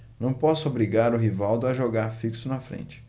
não posso obrigar o rivaldo a jogar fixo na frente